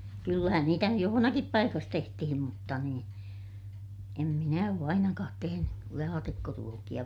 kyllähän niitä nyt jossakin paikassa tehtiin mutta niin en minä ole ainakaan tehnyt laatikkoruokia